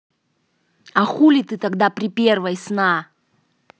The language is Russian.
а хули ты тогда при первой сна